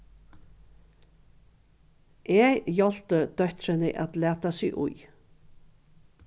eg hjálpti dóttrini at lata seg í